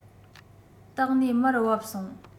སྟེགས ནས མར བབས སོང